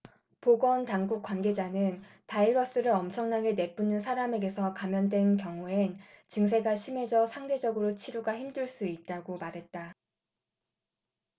보건당국 관계자는 바이러스를 엄청나게 내뿜는 사람에게서 감염된 경우엔 증세가 심해져 상대적으로 치료가 힘들 수 있다고 말했다